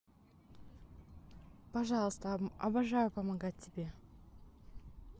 пожалуйста обожаю помогать тебе